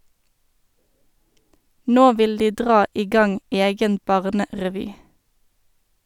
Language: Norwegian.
Nå vil de dra i gang egen barnerevy.